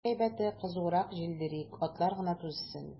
Иң әйбәте, кызурак җилдерик, атлар гына түзсен.